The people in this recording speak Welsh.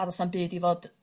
A ddo's 'na'm byd i fod